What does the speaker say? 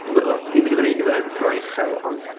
Dwi'n m- wel, ddim yn deud bo' na unrhyw un yn ffroen-uchel, ond...